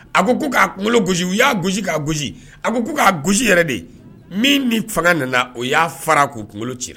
A ko k'a kunkolo gosi u y'a gosi ka gosi. A ko ko k'a gosi yɛrɛ de, min ni fanga nana o y'a far'a kun, kunkolo ci la.